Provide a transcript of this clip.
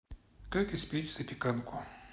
как испечь запеканку